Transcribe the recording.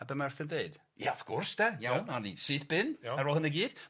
A be' ma' Arthur 'n deu? Ia wrth gwrs de. Iawn. Awn ni syth bin. Iawn. Ar ôl hynny gyd.